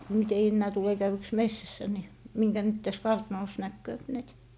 nyt ei enää tule käydyksi metsässä niin minkä nyt tässä kartanossa näkee näitä